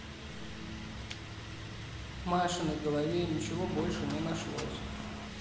машиной голове ничего больше не нашлось